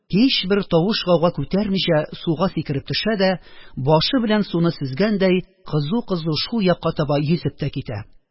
Һичбер тавыш-гауга күтәрмичә, суга сикереп төшә дә, башы белән суны сөзгәндәй, кызу-кызу шул якка таба йөзеп тә китә.